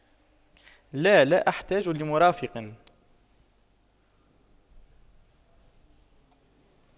لا لا احتاج لمرافق